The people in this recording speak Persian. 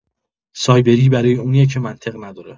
سایبری برای اونیه که منطق نداره